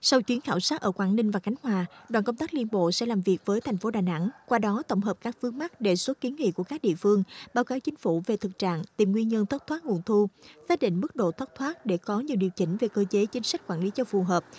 sau chuyến khảo sát ở quảng ninh và khánh hòa đoàn công tác liên bộ sẽ làm việc với thành phố đà nẵng qua đó tổng hợp các vướng mắc đề xuất kiến nghị của các địa phương báo cáo chính phủ về thực trạng tìm nguyên nhân thất thoát nguồn thu xác định mức độ thất thoát để có nhiều điều chỉnh về cơ chế chính sách quản lý cho phù hợp